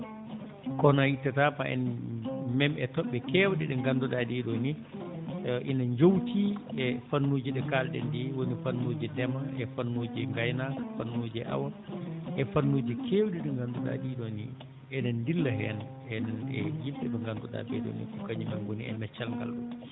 kono ittataama en meem e toɓɓe keewɗe ɗe ngannduɗaa ɗee ɗoo nii ina njowtii e fannuuji ɗi kaalɗen ɗii woni fannuuji ndema e fannuuji ngaynaaka fannuuji awo e fannuuji keewɗi ɗi ngannduɗaa ɗii ɗoo nii enen ndilla heen enen e yimɓe ɓe ngannduɗaa ɓee ɗoo nii ko kañumen ngoni e meccal ngal